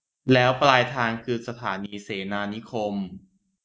แล้วปลายทางคือสถานีเสนานิคม